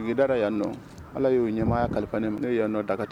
Nidara yannɔ Ala y'o ɲɛmaaya kalifa ne ma ne ye yannɔ da ka t